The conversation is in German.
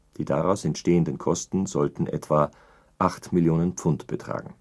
Die daraus entstehenden Kosten sollten etwa acht Millionen Pfund betragen